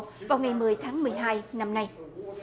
vào ngày mười tháng mười hai năm nay